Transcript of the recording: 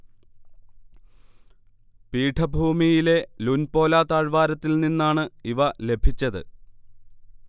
പീഠഭൂമിയിലെ Lunpola താഴ്വാരത്തിൽ നിന്നാണ് ഇവ ലഭിച്ചത്